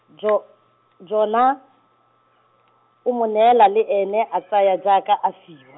jo, Jona, a mo neela le ene a tsaya jaaka a fiwa.